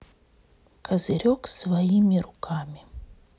козырек своими руками